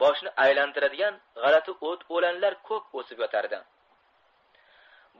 boshni aylantiradigan g'alati o't o'lanlar ko'p o'sib yotardi